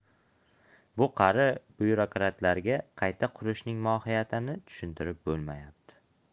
bu qari byurokratlarga qayta qurishning mohiyatini tushuntirib bo'lmayapti